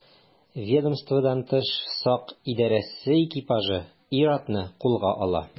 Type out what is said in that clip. Ведомстводан тыш сак идарәсе экипажы ир-атны кулга ала.